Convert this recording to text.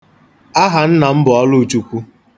Aha nna m bụ Ọlụchukwu.